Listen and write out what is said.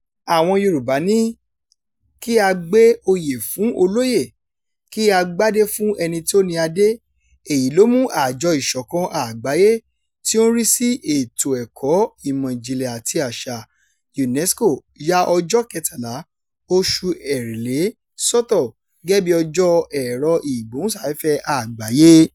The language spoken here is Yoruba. Àwọn Yorùbá ní, kí a gbé oyè fún olóyè, kí á gbádé fún ẹni tí ó ni adé", èyí ló mú Àjọ Ìṣọ̀kan Àgbáyé tí ó ń rí sí Ètò Ẹ̀kọ́, Ìmọ̀ Ìjìnlẹ̀ àti Àṣà (UNESCO) ya ọjọ́ 13 oṣù Èrèlé sọ́tọ̀ gẹ́gẹ́ bíi Ọjọ́ Ẹ̀rọ-ìgbóhùnsáfẹ́fẹ́ Àgbáyé.